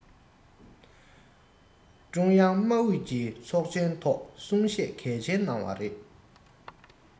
ཀྲུང དབྱང དམག ཨུད ཀྱི ཚོགས ཆེན ཐོག གསུང བཤད གལ ཆེན གནང བ རེད